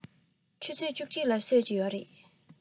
ཆུ ཚོད བཅུ གཅིག ལ གསོད ཀྱི རེད